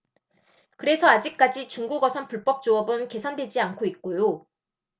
그래서 아직까지 중국어선 불법조업은 개선되지 않고 있고요